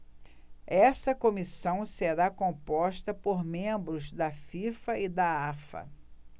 essa comissão será composta por membros da fifa e da afa